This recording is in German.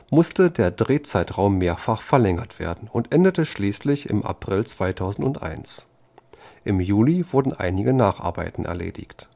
musste der Drehzeitraum mehrfach verlängert werden und endete schließlich im April 2001, im Juli wurden einige Nacharbeiten erledigt